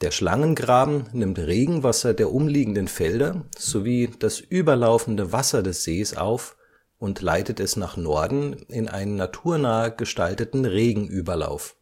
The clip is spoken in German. Schlangengraben nimmt Regenwasser der umliegenden Felder sowie das überlaufende Wasser des Sees auf und leitet es nach Norden in einen naturnah gestalteten Regenüberlauf